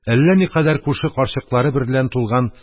Әллә никадәр күрше карчыклары берлән тулган